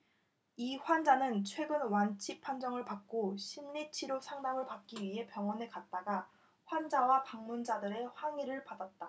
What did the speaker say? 이 환자는 최근 완치 판정을 받고 심리 치료 상담을 받기 위해 병원에 갔다가 환자와 방문자들의 항의를 받았다